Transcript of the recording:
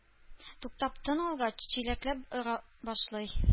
Туктап тын алгач, чиләкләп ора башлый